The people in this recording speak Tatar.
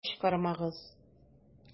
Кычкырмагыз!